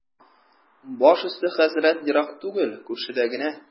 Баш өсте, хәзрәт, ерак түгел, күршедә генә.